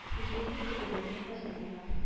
Медведевка бирергә әзер була